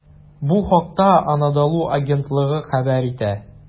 Бу хакта "Анадолу" агентлыгы хәбәр итә.